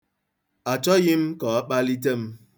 Achọghị m ka ọ kpalite m.